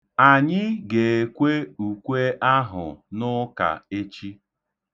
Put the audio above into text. Anyị ga-ekwe ukwe ahụ n'ụka echi.